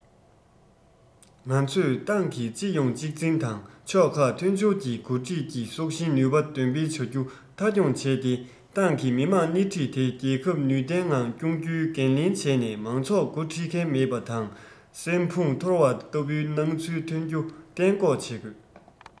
ང ཚོས ཏང གི སྤྱི ཡོངས གཅིག འཛིན དང ཕྱོགས ཁག མཐུན སྦྱོར གྱི འགོ ཁྲིད ཀྱི སྲོག ཤིང ནུས པ འདོན སྤེལ བྱ རྒྱུ མཐའ འཁྱོངས བྱས ཏེ ཏང གིས མི དམངས སྣེ ཁྲིད དེ རྒྱལ ཁབ ནུས ལྡན ངང སྐྱོང རྒྱུའི འགན ལེན བྱས ནས མང ཚོགས འགོ འཁྲིད མཁན མེད པ དང སྲན ཕུང ཐོར བ ལྟ བུའི སྣང ཚུལ ཐོན རྒྱུ གཏན འགོག བྱེད དགོས